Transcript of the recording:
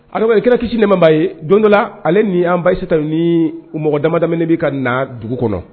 Adama i kɛra ni kisi nɛma b'a ye don dɔ la ale ni an ba Ayisata ni u mɔgɔ damadɔ bɛ ka na dugu kɔnɔ